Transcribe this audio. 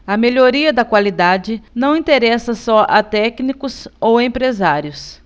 a melhoria da qualidade não interessa só a técnicos ou empresários